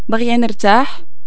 باغية نرتاح